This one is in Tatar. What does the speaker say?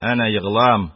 Әнә егылам,